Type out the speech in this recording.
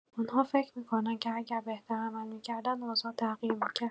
آنها فکر می‌کنند که اگر بهتر عمل می‌کردند، اوضاع تغییر می‌کرد.